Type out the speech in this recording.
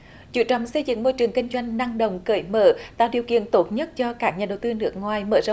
chú trọng xây dựng môi trường kinh doanh năng động cởi mở tạo điều kiện tốt nhất cho các nhà đầu tư nước ngoài mở rộng